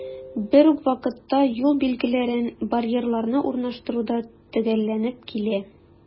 Бер үк вакытта, юл билгеләрен, барьерларны урнаштыру да төгәлләнеп килә.